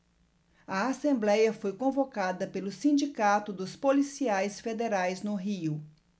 a assembléia foi convocada pelo sindicato dos policiais federais no rio